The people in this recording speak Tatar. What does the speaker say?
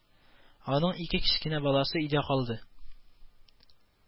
Аның ике кечкенә баласы өйдә калды